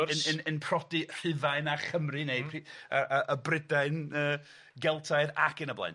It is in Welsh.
in in in prodi Rhufain a Chymru neu Pry- yy yy y Brydain yy Geltaidd ac yn y blaen.